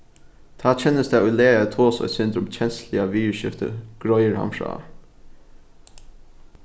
tá kennist tað í lagi at tosa eitt sindur um kensluliga viðurskifti greiðir hann frá